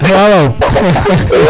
wawaw